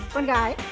con gái